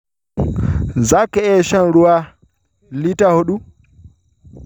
shin kana iya shan ruwa lita huɗu?